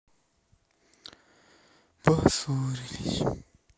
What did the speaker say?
поссорилась